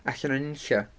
Allan o nunlla?